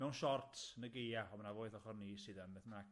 Mewn shorts, yn y Gaea, ond ma' 'na foi wrth ochor ni sydd yn beth bynnag.